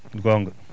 gonga